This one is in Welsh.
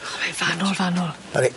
O mae'n fanwl fanwl. Ydi.